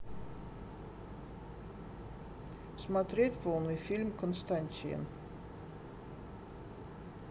смотреть полный фильм константин